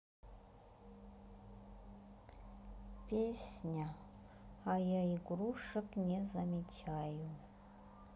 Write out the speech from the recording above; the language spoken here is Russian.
песня а я игрушек не замечаю